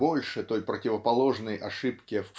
а больше той противоположной ошибки